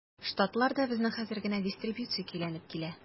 Штатларда безнең хәзер генә дистрибуция көйләнеп килә.